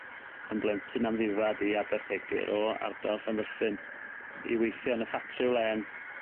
yn blentyn amddifad i Abercegyr o ardal Llanfyllin i weithio yn y ffatri wlen.